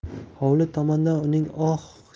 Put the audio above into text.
hovli tomondan uning